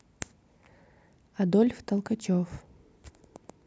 адольф толкачев